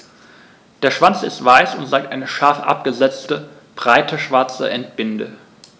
Der Schwanz ist weiß und zeigt eine scharf abgesetzte, breite schwarze Endbinde.